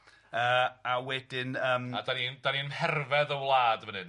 Yy a wedyn yym. A 'dan ni'n 'dan ni'n mherfedd y wlad yn fan hyn.